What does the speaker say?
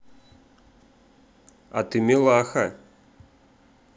а ты милаха